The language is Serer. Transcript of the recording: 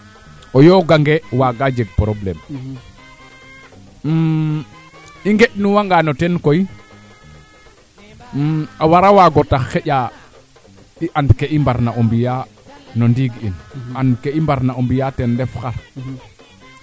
ndaa a soɓanga nan gilwa a paax mba o geñ nu nowe na nan gilwaa to a njambo ley yaam a jega wee ando naye a nana nga a njamba njondit gentan den koy leek leek o jotik refo xaa leyeena ye ko may faley